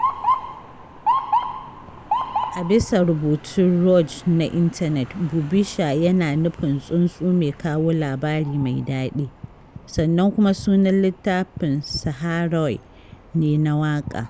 A bisa rubutun Roge na intanet, Bubisher yana nufin '' tsuntsu mai kawo labari mai daɗi'', sannan kuma sunan littafin Saharaui ne na waƙa.